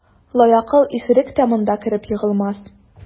Лаякыл исерек тә монда кереп егылмас.